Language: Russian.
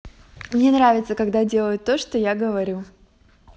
мне нравится когда делают то что я говорю